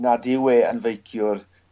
nad yw e yn feiciwr